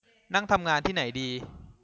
นั่งทำงานที่ไหนดี